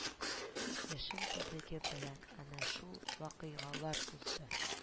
Яшен тизлеге белән әнә шул вакыйгалар узды